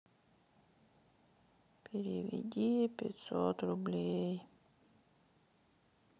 переведи пятьсот рублей